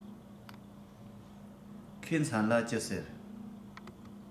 ཁོའི མཚན ལ ཅི ཟེར